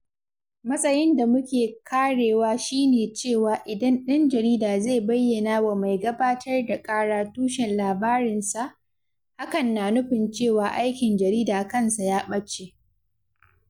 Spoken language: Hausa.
“Matsayin da muke karewa shi ne cewa idan ɗan jarida zai bayyanawa mai gabatar da kara tushen labarinsa, hakan na nufin cewa aikin jarida kansa ya ɓace.”